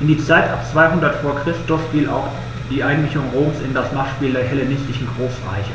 In die Zeit ab 200 v. Chr. fiel auch die Einmischung Roms in das Machtspiel der hellenistischen Großreiche: